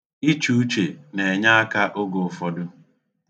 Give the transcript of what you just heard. Iche uche na-enye aka oge ụfọdụ.